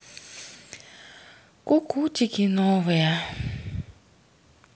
кукутики новые